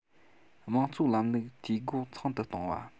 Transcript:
དམངས གཙོའི ལམ ལུགས འཐུས སྒོ ཚང དུ གཏོང བ